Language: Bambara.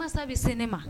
Walasa a bɛ se ne ma